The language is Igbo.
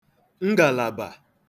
ngàlàbà